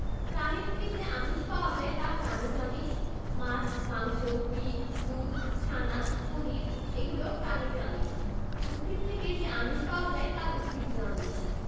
প্রাণী থেকে যে আমিষ পাওয়া যায় তা প্রাণিজ আমিষ মাছ মাংস ডিম দুধ ছানা পনির এগুলো প্রাণিজ আমিষ উদ্ভিদ থেকে যে আমিষ পাওয়া যায় তা উদ্ভিজ্জ আমিষ